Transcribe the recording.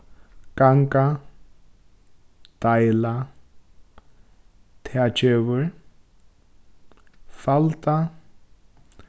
ganga deila tað gevur falda